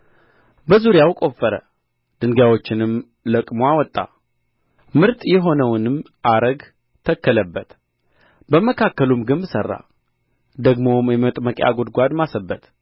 በዙሪያው ቈፈረ ድንጋዮችንም ለቅሞ አወጣ ምርጥ የሆነውንም አረግ ተከለበት በመካከሉም ግንብ ሠራ ደግሞም የመጥመቂያ ጕድጓድ ማሰበት